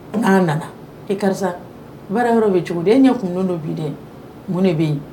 N'a nana , e karisa baara yɔrɔ bɛ cogo di,? E ɲɛ kumunen don bi dɛ! Mun de bɛ yen?